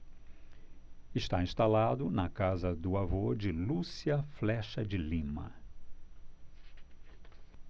está instalado na casa do avô de lúcia flexa de lima